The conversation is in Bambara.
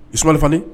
Iumanli fa